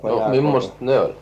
mimmoiset ne oli